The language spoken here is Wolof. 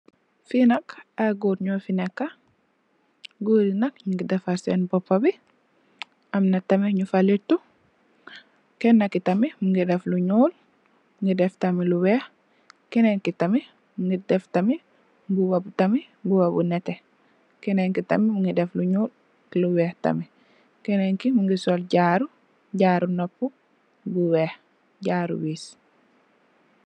Fi nak ay gòor nyo fi nekka, gòor yi nak nungi defar senn boppa bi, amna tamit nu fa lettu. Kenen ki tamit mungi def lu ñuul, mungi deff tamit lu weeh. Kenen ki tamit mungi def tamit mbuba bi tamit mbuba bu nètè. Kenen ki tamit mungi def lu ñuul, lu weeh tamit. Kenen ki mungi sol jaaro, jaaro nopu bu weeh, jaaro wiiss.